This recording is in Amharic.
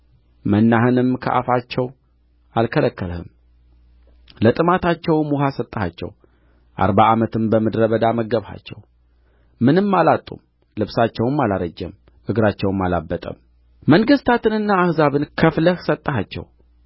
መናህንም ከአፋቸው አልከለከልህም ለጥማታቸውም ውኃ ሰጠሃቸው አርባ ዓመትም በምድረ በዳ መገብሃቸው ምንም አላጡም ልብሳቸውም አላረጅም እግራቸውም አላበጠም መንግሥታትንና አሕዛብን ከፍለህ ሰጠሃቸው